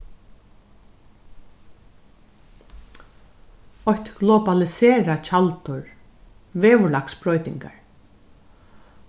eitt globaliserað tjaldur veðurlagsbroytingar